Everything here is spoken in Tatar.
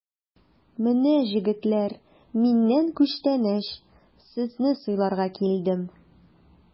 Менә, җегетләр, миннән күчтәнәч, сезне сыйларга килдем!